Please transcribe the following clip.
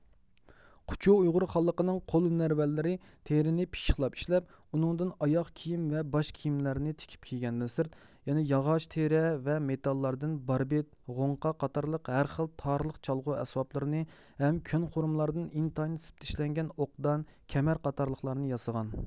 قوچۇ ئۇيغۇر خانلىقىنىڭ قول ھۈنەرۋەنلىرى تېرىنى پىششىقلاپ ئىشلەپ ئۇنىڭدىن ئاياغ كىيىم ۋە باش كىيىملەرنى تىكىپ كىيگەندىن سىرت يەنە ياغاچ تېرە ۋە مېتاللاردىن باربىت غوڭقا قاتارلىق ھەر خىل تارىلىق چالغۇ ئەسۋابلىرىنى ھەم كۆن خۇرۇملاردىن ئىنتايىن سىپتا ئىشلەنگەن ئوقدان كەمەر قاتارلىقلارنى ياسىغان